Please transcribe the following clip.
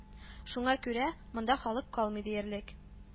Шуңа күрә, монда халык калмый диярлек